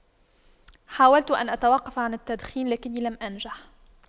حاولت أن أتوقف عن التدخين لكني لم أنجح